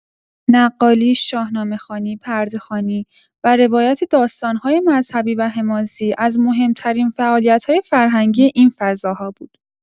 نقالی، شاهنامه‌خوانی، پرده‌خوانی و روایت داستان‌های مذهبی و حماسی، از مهم‌ترین فعالیت‌های فرهنگی این فضاها بود.